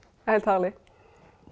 heilt herleg.